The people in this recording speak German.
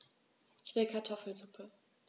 Ich will Kartoffelsuppe.